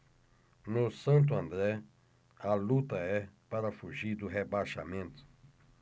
no santo andré a luta é para fugir do rebaixamento